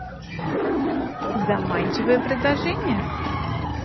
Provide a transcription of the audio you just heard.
заманчивое предложение